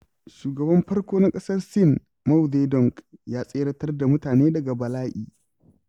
Shugaban farko na ƙasar Sin, Mao Zedong ya tseratar da mutane daga bala'i.